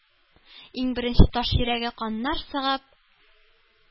Иң беренче таш йөрәге каннар сыгып,